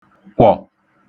kwọ̀